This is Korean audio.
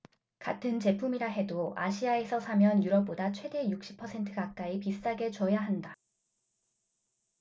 같은 제품이라 해도 아시아에서 사면 유럽보다 최대 육십 퍼센트 가까이 비싸게 줘야 한다